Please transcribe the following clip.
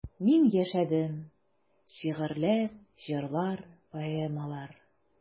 Мин яшәдем: шигырьләр, җырлар, поэмалар.